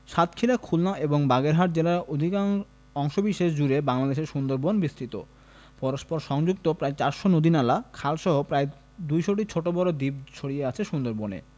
সাতক্ষীরা খুলনা এবং বাগেরহাট জেলার অধিকাং অংশবিশেষ জুড়ে বাংলাদেশের সুন্দরবন বিস্তৃত পরস্পর সংযুক্ত প্রায় ৪০০ নদী নালা খালসহ প্রায় ২০০টি ছোট বড় দ্বীপ ছড়িয়ে আছে সুন্দরবনে